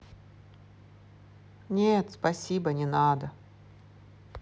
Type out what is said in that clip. нет спасибо не надо